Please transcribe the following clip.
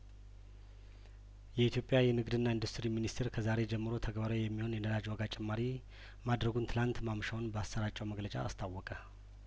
የኢትዮጵያ የንግድና ኢንዱስትሪ ሚኒስትር ከዛሬ ጀምሮ ተግባራዊ የሚሆን የነዳጅ ዋጋ ጭማሪ ማድረጉን ትላንት ማምሻውን ባሰራጨው መግለጫ አስታወቀ